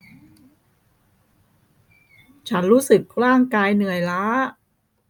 ฉันรู้สึกร่างกายเหนื่อยล้า